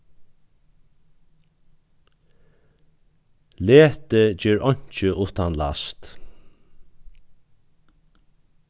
leti ger einki uttan last